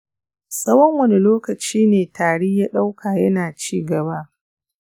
tsawon wani lokaci ne tari ya ɗauka yana ci gaba?